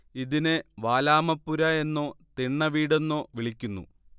ഇതിനെ വാലാമപ്പുര എന്നോ തിണ്ണവീടെന്നോ വിളിക്കുന്നു